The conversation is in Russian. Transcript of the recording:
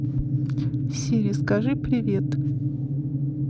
сири скажи привет